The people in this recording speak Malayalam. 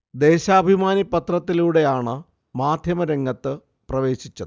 ദേശാഭിമാനി ദിനപത്രത്തിലൂടെയാണ് മാധ്യമ രംഗത്ത് പ്രവേശിച്ചത്